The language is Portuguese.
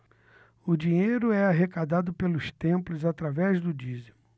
o dinheiro é arrecadado pelos templos através do dízimo